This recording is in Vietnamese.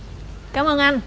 cảm ơn anh